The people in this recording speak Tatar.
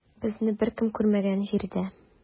Безне беркем күрмәгән җирдә.